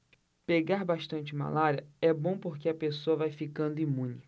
pegar bastante malária é bom porque a pessoa vai ficando imune